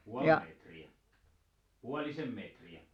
puoli metriä puolisen metriä